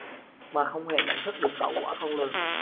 mà không hề nhận thức được hậu quả khôn lường